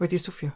Wedi'i stwffio.